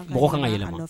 Mɔgɔ ka ka yɛlɛma